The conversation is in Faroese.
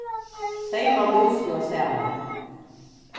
seyma músina saman